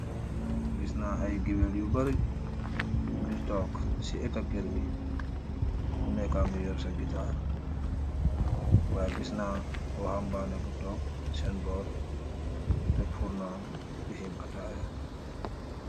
Gis na ay giwel yu bara, ñu gi tokk ci eto Kër gi, ku nekkangi yor sa gitaar wayé gisna waxambaane bu took seen bor tek furnom du xim ataaya.